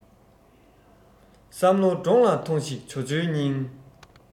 བསམ བློ འདྲོངས ལ ཐོངས ཤིག ཇོ ཇོའི སྙིང